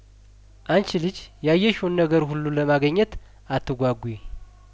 የሰርጉ አንቺ ልጅ ያየሽውን ነገር ሁሉ ለማግኘት አትጓጉ ወጥ ኩችም ተደርጐ ነው የተሰራው